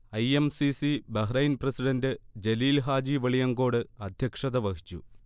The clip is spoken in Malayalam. I. M. C. C. Bahrain president Jaleel Haji Veliyankode അദ്ധ്യക്ഷത വഹിച്ചു